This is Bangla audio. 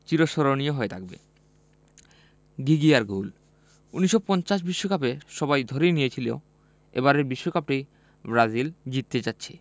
চিরস্মরণীয় হয়ে থাকবে ঘিঘিয়ার গোল ১৯৫০ বিশ্বকাপে সবাই ধরেই নিয়েছিল এবারের শিরোপাটি ব্রাজিল জিততে যাচ্ছে